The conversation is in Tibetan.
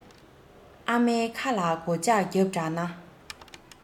ཨ མའི ཁ ལ སྒོ ལྕགས བརྒྱབ དྲགས ན